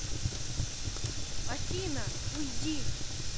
афина уйди